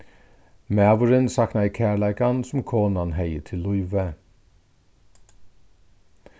maðurin saknaði kærleikan sum konan hevði til lívið